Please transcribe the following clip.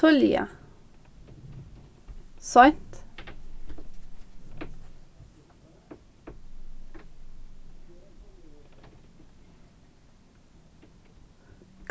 tíðliga seint